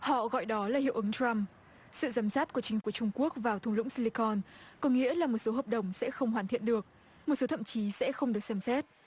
họ gọi đó là hiệu ứng trăm sự giám sát của chính của trung quốc vào thung lũng si li con có nghĩa là một số hợp đồng sẽ không hoàn thiện được một số thậm chí sẽ không được xem xét